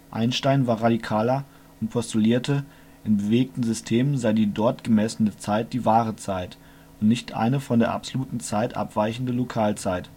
Einstein war radikaler und postulierte, in bewegten Systemen sei die dort gemessene Zeit die " wahre " Zeit und nicht eine von der absoluten Zeit abweichende " Lokalzeit